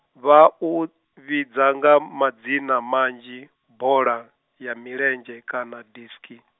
vha u vhidza nga madzina manzhi, boḽa ya milenzhe kana diski.